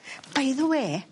by the wê